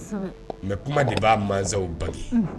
Mɛ kuma de b'a masaw bali